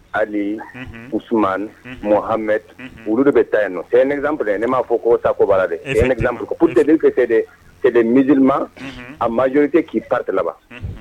Hali us muhame olu de bɛ taa yen nɔ h ne zanp ne m'a fɔ ko ta koba dɛtɛtɛtɛte mizlima a maj tɛ k'i patɛ